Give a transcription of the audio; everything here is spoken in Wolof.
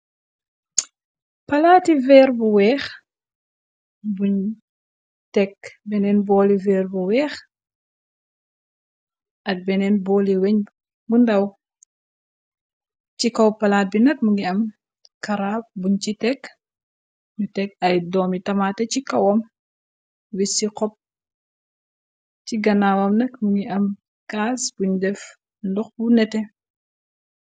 Palaati veer bu weex, bu beneen booli veer bu weex, at beneen booli weñ bu ndaw, ci kaw palaat bi nak mu ngi am karaab buñ ci tekk, ñu tek ay doomi tamaté ci kawam, wis ci xop, ci ganaawam nak mu ngi am kaas buñ def ndox, bu nete.